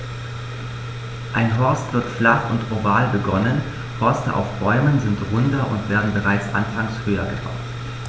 Ein Horst wird flach und oval begonnen, Horste auf Bäumen sind runder und werden bereits anfangs höher gebaut.